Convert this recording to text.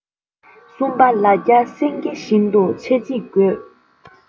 གསུམ པ ལ རྒྱ སེང གེ བཞིན དུ ཆེ གཅིག དགོས